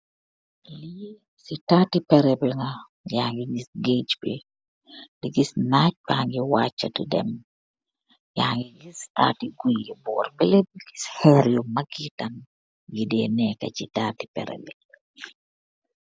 Lii cii taati pehreb bii la, yaangy gis gedjj bii, dii gis naach bangy wacha di dem, yangy gis taati guiiy yii borrr behleh, dii giss kherrr yii mag yi tamit yii daey neka cii taati pehreh bii.